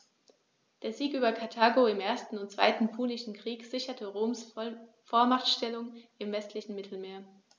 Der Sieg über Karthago im 1. und 2. Punischen Krieg sicherte Roms Vormachtstellung im westlichen Mittelmeer.